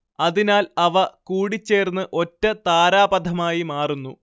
അതിനാൽ അവ കൂടിച്ചേർന്ന് ഒറ്റ താരാപഥമായി മാറുന്നു